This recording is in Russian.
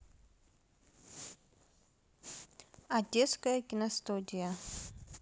одесская киностудия